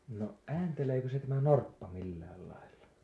no äänteleekö se tämä norppa millä lailla